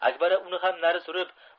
akbara uni ham nari surib